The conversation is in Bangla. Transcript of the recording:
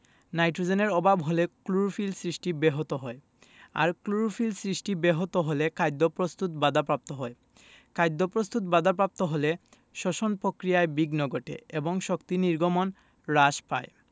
নাইট্রোজেনের অভাব হলে ক্লোরোফিল সৃষ্টি ব্যাহত হয় আর ক্লোরোফিল সৃষ্টি ব্যাহত হলে খাদ্য প্রস্তুত বাধাপ্রাপ্ত হয় খাদ্যপ্রস্তুত বাধাপ্রাপ্ত হলে শ্বসন প্রক্রিয়ায় বিঘ্ন ঘটে এবং শক্তি নির্গমন হ্রাস পায়